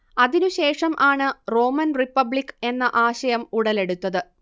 അതിനു ശേഷം ആണ് റോമൻ റിപ്പബ്ലിക്ക് എന്ന ആശയം ഉടലെടുത്തത്